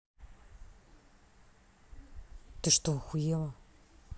ты что ахуела